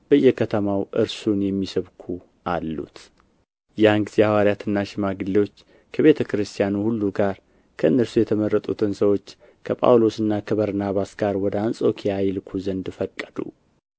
በየከተማው እርሱን የሚሰብኩ አሉት ያን ጊዜ ሐዋርያትና ሽማግሌዎች ከቤተ ክርስቲያኑ ሁሉ ጋር ከእነርሱ የተመረጡትን ሰዎች ከጳውሎስና ከበርናባስ ጋር ወደ አንጾኪያ ይልኩ ዘንድ ፈቀዱ